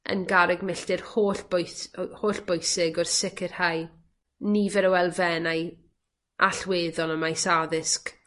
yn garreg milltir hollbwyth- yy hollbwysig wrth sicirhau nifer o elfennau allweddol ym maes addysg